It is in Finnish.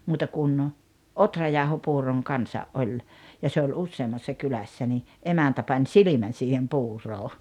muuta kuin ohrajauhopuuron kanssa oli ja se oli useammassa kylässä niin emäntä pani silmän siihen puuroon